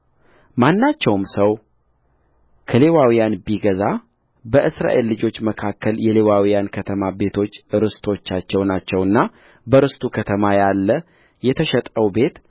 ማናቸውም ሰው ከሌዋውያን ቢገዛ በእስራኤል ልጆች መካከል የሌዋውያን ከተማ ቤቶች ርስቶቻቸው ናቸውና በርስቱ ከተማ ያለ የተሸጠው ቤት